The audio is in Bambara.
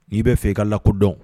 N'i bɛ fɛ i ka lakodɔn